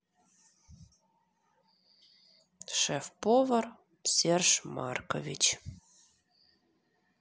шеф повар серж маркович